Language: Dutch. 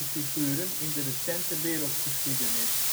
figuren in de recente wereldgeschiedenis